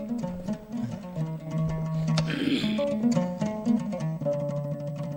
San